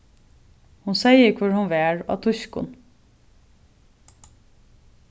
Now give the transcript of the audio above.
hon segði hvør hon var á týskum